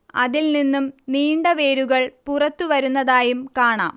അതിൽ നിന്നും നീണ്ട വേരുകൾ പുറത്തു വരുന്നതായും കാണാം